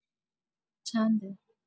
چنده؟